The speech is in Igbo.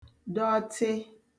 dọtị